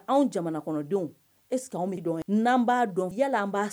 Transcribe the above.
Anw jamana est ce que an b'a dɔn, n'an b'a dɔn yala an b'a